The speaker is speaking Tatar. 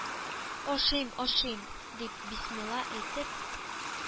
“ашыйм-ашыйм”, – дип, бисмилла әйтеп,